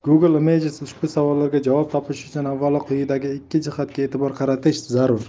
google images ushbu savollarga javob topish uchun avvalo quyidagi ikki jihatga e'tibor qaratish zarur